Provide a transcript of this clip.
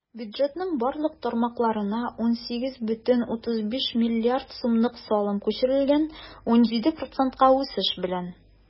Бюджетның барлык тармакларына 18,35 млрд сумлык салым күчерелгән - 17 процентка үсеш белән.